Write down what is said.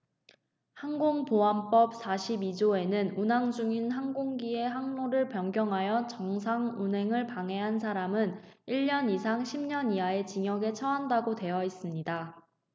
항공보안법 사십 이 조에는 운항중인 항공기의 항로를 변경하여 정상 운항을 방해한 사람은 일 년 이상 십 년 이하의 징역에 처한다고 되어 있습니다